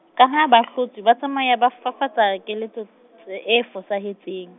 ka ha ba hlotswe ba tsamaya ba fafatsa keletso tse- e fosahetseng.